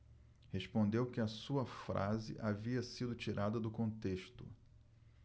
respondeu que a sua frase havia sido tirada do contexto